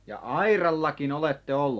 ja aidallakin olette ollut